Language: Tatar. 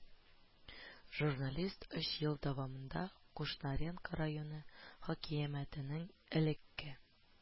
Журналист өч ел дәвамында Кушнаренко районы хакимиятенең элекке